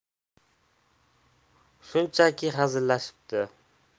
shunchaki hazillashibdi